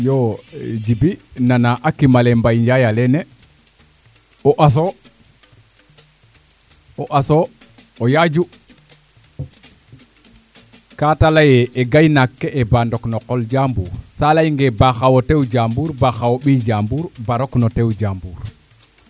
Djiby nana a kimale Mbaye Ndiaye a lene o aso o aso o yaaju kaa te ley e gay naak we mba ndok o kol jambur sa ley nge ba xawo tew jaambur ba xawo ɓiy jaambur ba rok no tew jaambur